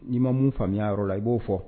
N'i ma mun faamuyaya yɔrɔ la i b'o fɔ